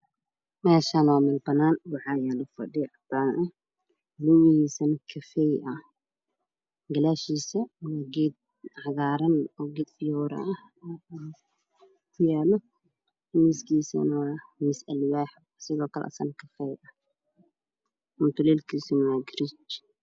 Waa meshaan waa meel banaan waxaa yala fadhi cadaan lugu hiisana kafee ah Gadaashiisana geed cagaaran fiyoora ah miis kiisana waa miis alwaaax sidoo kle asine kafee yahay mutuleelkiisana waa giriij